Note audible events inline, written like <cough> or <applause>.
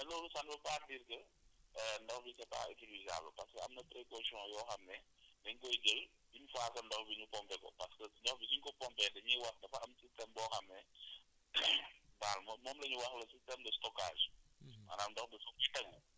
phénomène boobu moo koy andi mais loolu ça ne veut pas dire :fa que :fa <hesitation> ndox mi c' est pas utilisable parce :fa que am na préposition yoo xam ne dañ koy jël une fois ndox mi ñu pompé ko parce que ndox bi su ñu ko pompé dañuy wax dafa am système boo xam ne <coughs> baal ma moom la ñu wax le système de stockage